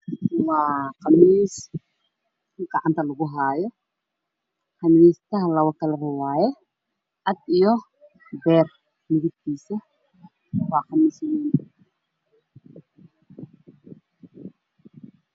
Waa khamiis gacanta lagu haayo labo kalar waaye cad iyo beer midabkiisa waa khamiis